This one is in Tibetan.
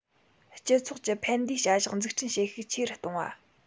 སྤྱི ཚོགས ཀྱི ཕན བདེའི བྱ གཞག འཛུགས སྐྲུན བྱེད ཤུགས ཆེ རུ གཏོང བ